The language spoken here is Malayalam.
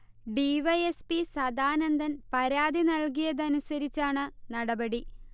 D. Y. S. P. Sadanandan പരാതി നൽകിയത് അനുസരിച്ചാണ് നടപടി